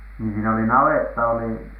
niin siinä oli navetta oli